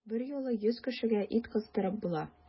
Берьюлы йөз кешегә ит кыздырып була!